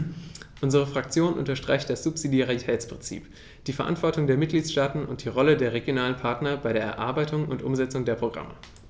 Unsere Fraktion unterstreicht das Subsidiaritätsprinzip, die Verantwortung der Mitgliedstaaten und die Rolle der regionalen Partner bei der Erarbeitung und Umsetzung der Programme.